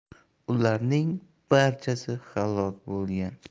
ularning barchasi halok bo'lgan